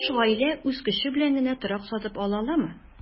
Яшь гаилә үз көче белән генә торак сатып ала аламы?